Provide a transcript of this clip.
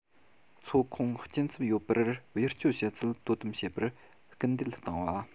མཚོ ཁོངས སྐྱིན ཚབ ཡོད པར བེད སྤྱོད བྱེད ཚུལ དོ དམ བྱེད པར སྐུལ འདེད བཏང བ